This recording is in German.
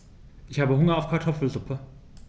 Ich habe Hunger auf Kartoffelsuppe.